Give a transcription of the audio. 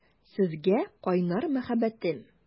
Сезгә кайнар мәхәббәтем!